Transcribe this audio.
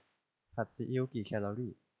ผัดซีอิ๊วกี่แคลอรี่